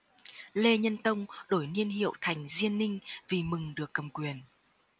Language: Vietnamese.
lê nhân tông đổi niên hiệu thành diên ninh vì mừng được cầm quyền